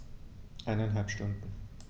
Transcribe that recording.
Eineinhalb Stunden